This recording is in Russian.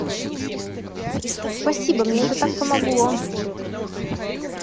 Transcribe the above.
спасибо мне это так помогло